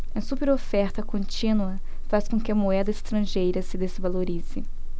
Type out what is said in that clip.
a superoferta contínua faz com que a moeda estrangeira se desvalorize